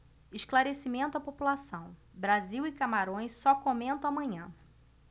esclarecimento à população brasil e camarões só comento amanhã